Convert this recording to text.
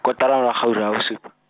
kotara ra ga ura ya supa.